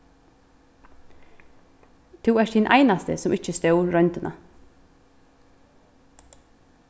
tú ert hin einasti sum ikki stóð royndina